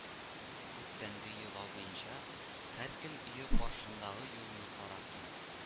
Күптәнге йола буенча, һәркем өе каршындагы юлны карап тора